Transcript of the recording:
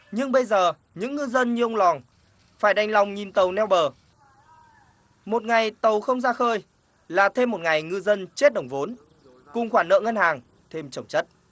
nhưng bây giờ những ngư dân như ông loòng phải đành lòng nhìn tàu neo bờ một ngày tàu không ra khơi là thêm một ngày ngư dân chết đồng vốn cùng khoản nợ ngân hàng thêm chồng chất